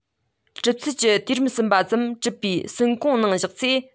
གྲུབ ཚུལ གྱི དུས རིམ གསུམ པ ཙམ གྲུབ པའི སྲིན གོང ནང བཞག ཚེ